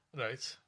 Reit.